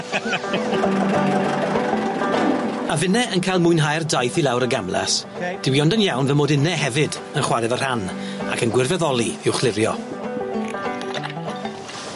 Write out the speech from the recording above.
A finne yn cael mwynhau'r daith i lawr y gamlas... Ok. ...dyw 'i ond yn iawn fy mod inne hefyd yn chware fy rhan ac yn gwirfyddoli i'w chlirio.